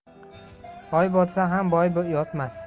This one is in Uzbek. oy botsa ham boy yotmas